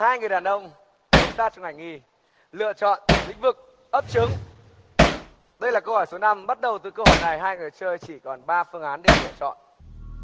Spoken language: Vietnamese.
hai người đàn ông công tác trong ngành y lựa chọn lĩnh vực ấp trứng đây là câu hỏi số năm bắt đầu từ câu hỏi này hai người chơi chỉ còn ba phương án để lựa chọn